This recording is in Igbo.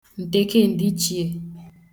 ǹtèke ndịichìe